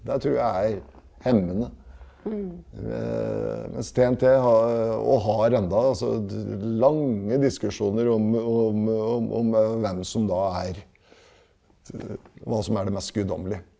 det trur jeg er hemmende mens TNT har og har enda altså lange diskusjoner om om om om hvem som da er hva som er det mest guddommelige.